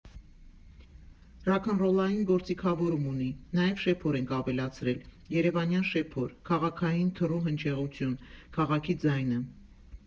Ռաքնռոլային գործիքավորում ունի, նաև շեփոր ենք ավելացրել՝ երևանյան շեփոր, քաղաքային թռու հնչեղություն, քաղաքի ձայնը։